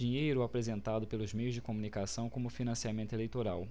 dinheiro apresentado pelos meios de comunicação como financiamento eleitoral